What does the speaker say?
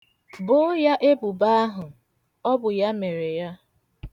Boo ya ebubo ahụ! Ọ bụ ya mere ya.